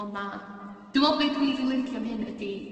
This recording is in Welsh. On' ma'... Dwi me'wl be dwi i'n rili licio yn hyn ydi